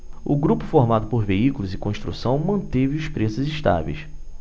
o grupo formado por veículos e construção manteve os preços estáveis